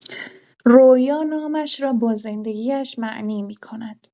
رویا نامش را با زندگی‌اش معنی می‌کند.